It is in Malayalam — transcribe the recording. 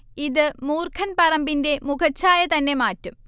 ഇത് മൂർഖൻ പറമ്പിന്റെ മുഖച്ഛായ തന്നെ മാറ്റും